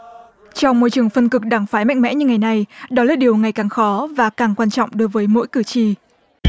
trong môi trường phân cực đảng phái mạnh mẽ như ngày nay đó là điều ngày càng khó và càng quan trọng đối với mỗi cử tri